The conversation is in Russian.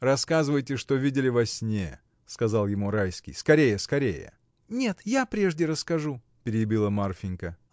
— Рассказывайте, что видели во сне, — сказал ему Райский, — скорее, скорее! — Нет, я прежде расскажу! — перебила Марфинька.